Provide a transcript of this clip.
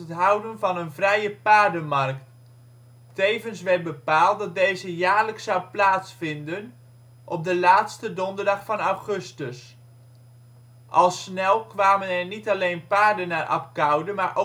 houden van een Vrije Paardenmarkt. Tevens werd bepaald dat deze jaarlijks zou plaatsvinden op de laatste donderdag van augustus. Al snel kwamen er niet alleen paarden naar Abcoude maar